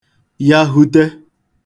yahute